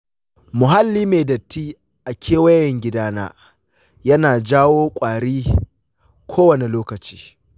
muhalli mai datti a kewayen gidana yana janyo ƙwari kowane lokaci.